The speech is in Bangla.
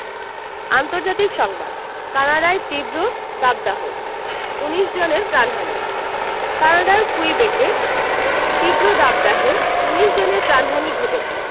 আন্তর্জাতিক সংবাদ কানাডায় তীব্র দাবদাহ ১৯ জনের প্রাণহানি কানাডার কুইবেকে তীব্র দাবদাহে ১৯ জনের প্রাণহানি ঘটেছে